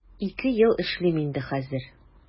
Ике ел эшлим инде хәзер.